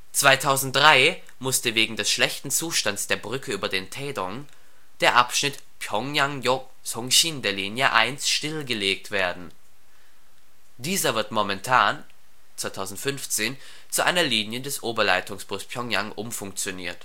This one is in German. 2003 musste wegen des schlechten Zustands der Brücke über den Taedong der Abschnitt P'yŏngyang-yŏk – Songsin der Linie 1 stillgelegt werden. Dieser wird momentan (2015) zu einer Linie des Oberleitungsbus Pjöngjang umfunktioniert